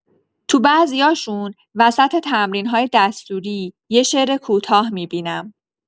توی بعضیاشون، وسط تمرین‌های دستوری، یه شعر کوتاه می‌بینم.